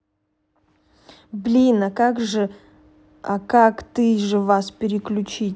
блин а как ты же вас переключить